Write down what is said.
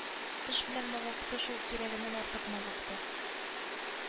Эш белән мавыкты шул кирәгеннән артык мавыкты